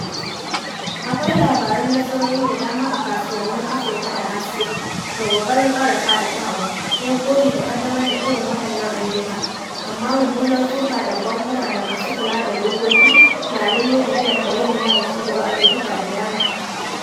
Akwai labaran nasarori da dama a kasuwannin Afirka da Asiya, da ƙoƙarin ƙara faɗaɗawa, yin koyi ko ƙaddamar da irin waɗannan ayyuka, amma mummunar suka daga bankuna da masu kula da dokoki, na jawo tafiyar hawainiya ga ci gaba a lokuta da dama.